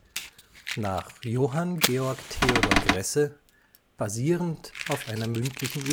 – nach Johann Georg Theodor Grässe: basierend auf einer mündlichen